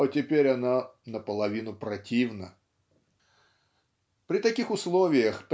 а теперь она наполовину противна". При таких условиях